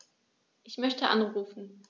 Ich möchte anrufen.